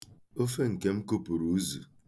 Ofe nke m kupuru uzu.